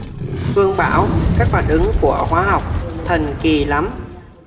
hương bảo các phản ứng của hóa học thần kỳ lắm